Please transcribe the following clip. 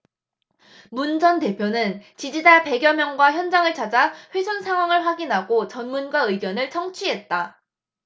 문 전 대표는 지지자 백 여명과 현장을 찾아 훼손 상황을 확인하고 전문가 의견을 청취했다